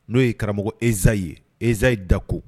N'o ye Karamɔgɔ Ezayi ye Ezayi Dako.